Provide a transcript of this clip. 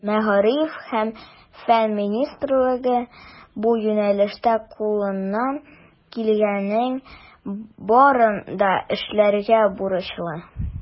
Мәгариф һәм фән министрлыгы бу юнәлештә кулыннан килгәннең барын да эшләргә бурычлы.